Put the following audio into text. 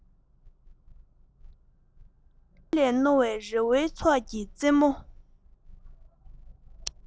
རལ གྲི ལས རྣོ བའི རི བོའི ཚོགས ཀྱི རྩེ མོ